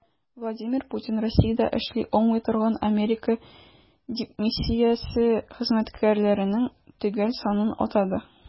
Владимир Путин Россиядә эшли алмый торган Америка дипмиссиясе хезмәткәрләренең төгәл санын атады.